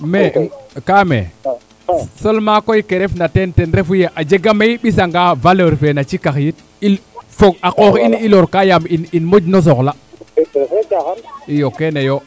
mais ka me seulement koy ke refna teen ten refu ye a jega me i mbisanga valeur fe na cikax yit a qoox in i lorka yaam in moƴno soxla iyo kene yo